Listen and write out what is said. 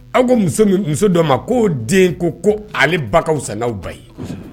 Aw ko muso min, muso dɔ ma ,ko den ko ko ale ba ka fisa n'aw ba ye.